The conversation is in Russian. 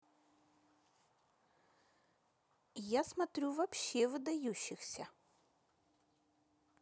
я смотрю вообще выдающихся